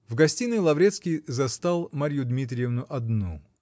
В гостиной Лаврецкий застал Марью Дмитриевну одну.